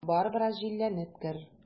Бар, бераз җилләнеп кер.